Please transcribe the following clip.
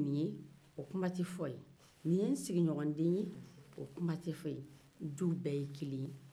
nin ye ne sigiɲɔgɔn den ye o kuma tɛ fɔ yen duw bɛɛ ye kelen ye